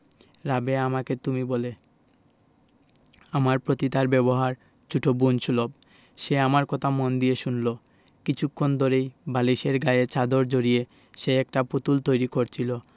রাবেয়া আমাকে তুমি বলে আমার প্রতি তার ব্যবহার ছোট বোন সুলভ সে আমার কথা মন দিয়ে শুনলো কিছুক্ষণ ধরেই বালিশের গায়ে চাদর জড়িয়ে সে একটা পুতুল তৈরি করছিলো